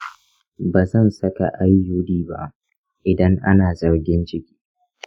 ba zan saka iud ba idan ana zargin ciki.